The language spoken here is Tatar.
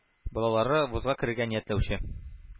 Балалары вузга керергә ниятләүче